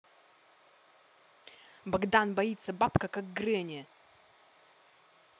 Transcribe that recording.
богдан боится бабка как гренни